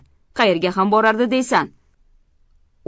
qayerga ham borardi deysan